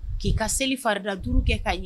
K'i ka seli farida duuru kɛ k'a ɲɛ